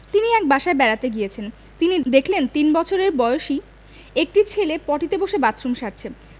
তিনি এক বাসায় বেড়াতে গিয়েছেন তিনি দেখলেন তিন বছর বয়েসী একটি ছেলে পটিতে বসে বাথরুম সারছে